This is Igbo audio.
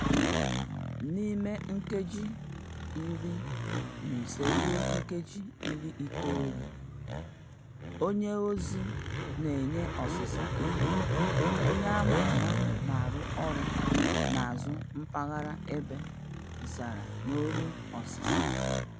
N'ime nkeji 15 ruo nkeji 90, onye ozi na-enye ọsịsa ihe(onye ama ama na-arụ ọrụ n'azụ mpaghara ebe) zara n'olu ọsịsa.